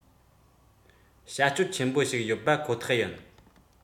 བྱ སྤྱོད ཆེན པོ ཞིག ཡོད པ ཁོ ཐག ཡིན